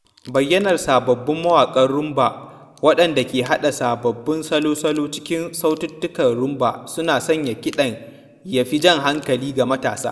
Bayyanar sabbin mawaƙan Rhumba waɗanda ke haɗa sababbin salo-salo cikin sautukan Rhumba suna sanya kiɗan ya fi jan hankali ga matasa.